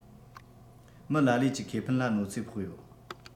མི ལ ལས ཀྱི ཁེ ཕན ལ གནོད འཚེ ཕོག ཡོད